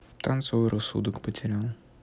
танцуй рассудок потерял